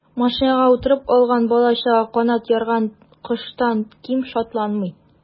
Машинага утырып алган бала-чага канат ярган коштан ким шатланмый.